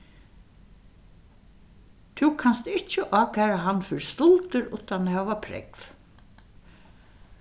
tú kanst ikki ákæra hann fyri stuldur uttan at hava prógv